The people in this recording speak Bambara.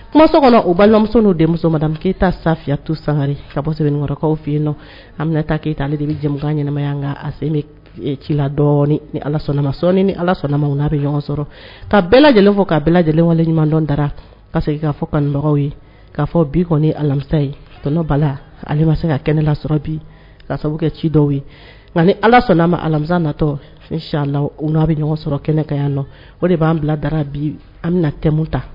Kumaso kɔnɔ o balimamuso n' denmuso musoman mada ke eyita saya tu sanga ka bɔ sɛbɛnkɔrɔkaw fiye yen nɔ an bɛna taa keyita ale de bɛ jɛkan ɲɛnamaya se ci la ni alama sɔ ni ala sɔnnama n'a bɛ ɲɔgɔn sɔrɔ ka bɛɛ lajɛlen fo ka bɛɛ lajɛlenwale ɲumandɔn da ka fɔ ka dɔgɔ ye'a fɔ bi kɔni alamisa ye tɔnɔ bala ale ma se ka kɛnɛ lasɔrɔ bi ka sababu kɛ ci dɔw ye nka ni ala sɔnna'a ma alamisa natɔyan n'a bɛ ɲɔgɔn sɔrɔ kɛnɛ ka yan nɔ o de b'an bila dara bi an bɛna tɛmɛmu ta